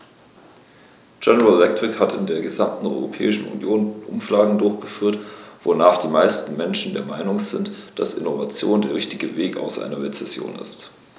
General Electric hat in der gesamten Europäischen Union Umfragen durchgeführt, wonach die meisten Menschen der Meinung sind, dass Innovation der einzige Weg aus einer Rezession ist.